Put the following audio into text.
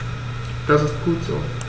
Das ist gut so.